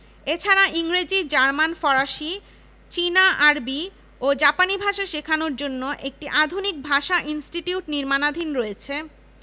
এছাড়া ইংরেজি জার্মান ফরাসি চীনা আরবি ও জাপানি ভাষা শেখানোর জন্য একটি আধুনিক ভাষা ইনস্টিটিউট নির্মাণাধীন রয়েছে